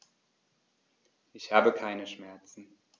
Ich habe keine Schmerzen.